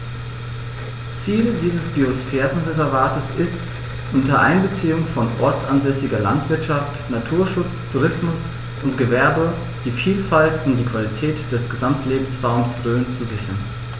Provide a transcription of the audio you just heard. Ziel dieses Biosphärenreservates ist, unter Einbeziehung von ortsansässiger Landwirtschaft, Naturschutz, Tourismus und Gewerbe die Vielfalt und die Qualität des Gesamtlebensraumes Rhön zu sichern.